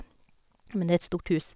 Men det er et stort hus.